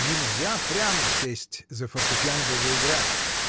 нельзя прямо сесть за фортепиано да заиграть.